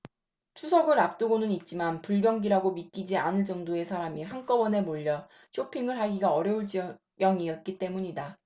추석을 앞두고는 있지만 불경기라고는 믿기지 않을 정도의 사람이 한꺼번에 몰려 쇼핑을 하기가 어려울 지경이었기 때문이다